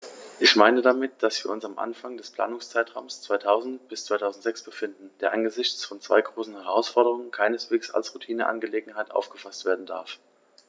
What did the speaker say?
Ich meine damit, dass wir uns am Anfang des Planungszeitraums 2000-2006 befinden, der angesichts von zwei großen Herausforderungen keineswegs als Routineangelegenheit aufgefaßt werden darf.